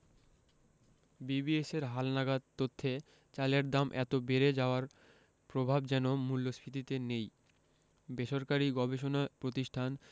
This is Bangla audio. বিবিএসের হালনাগাদ তথ্যে চালের দাম এত বেড়ে যাওয়ার প্রভাব যেন মূল্যস্ফীতিতে নেই বেসরকারি গবেষণা প্রতিষ্ঠান